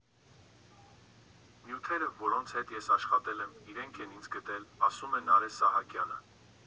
Նյութերը, որոնց հետ ես աշխատել եմ, իրենք են ինձ գտել», ֊ ասում է Նարէ Սահակյանը։